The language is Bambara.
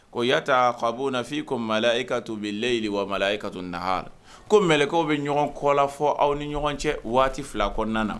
Ko yataabu na f' ko mla e ka to bɛlɛyilila e ka to nahaaara ko mɛlɛkaw bɛ ɲɔgɔn kɔfɔ aw ni ɲɔgɔn cɛ waati fila kɔnɔna na